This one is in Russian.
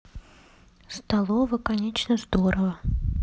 столова конечно здорово